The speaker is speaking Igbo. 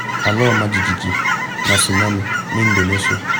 Ala ọmajiji na tsunami na Indonesia